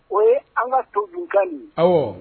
O ye an ka to dunkan nin h